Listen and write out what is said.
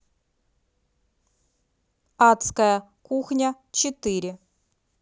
адская кухня четыре